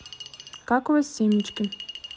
как у вас семечки